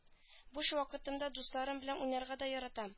Буш вакытымда дусларым белән уйнарга да яратам